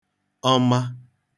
ọma